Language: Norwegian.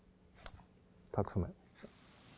takk for meg.